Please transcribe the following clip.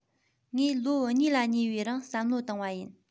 ངས ལོ གཉིས ལ ཉེ བའི རིང བསམ བློ བཏང བ ཡིན